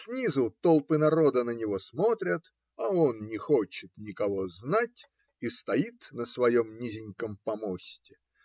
Снизу толпы народа на него смотрят, а он не хочет никого знать и стоит на своем низеньком помосте